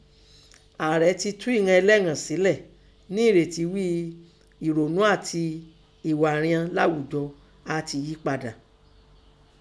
Ààrẹ ti tú ìghan ẹléghọ̀n sẹlẹ̀ nẹ ẹrètí ghíi ẹ̀rònú àti ẹ̀ghà rian lághùjọ áá ti yí padà.